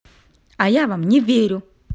а я вам не верю